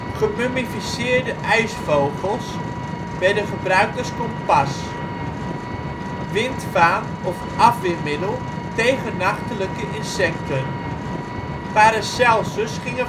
Gemummificeerde ijsvogels werden gebruikt als kompas, windvaan of afweermiddel tegen nachtelijke insecten. Paracelsus ging